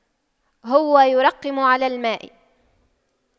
هو يرقم على الماء